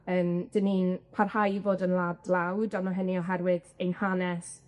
Yym 'dyn ni'n parhau i fod yn wlad dlawd, a ma' hynny oherwydd ein hanes